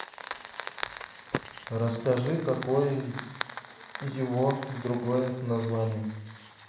расскажи какое его другое название